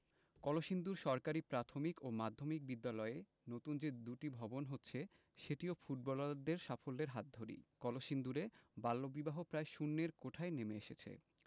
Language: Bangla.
কলসিন্দুর সরকারি প্রাথমিক ও মাধ্যমিক বিদ্যালয়ে নতুন যে দুটি ভবন হচ্ছে সেটিও ফুটবলারদের সাফল্যের হাত ধরেই কলসিন্দুরে বাল্যবিবাহ প্রায় শূন্যের কোঠায় নেমে এসেছে